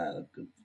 yym